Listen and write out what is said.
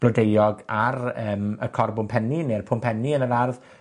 blodeuog ar yym y corbwmpenni ne'r pwmpenni yn yr ardd.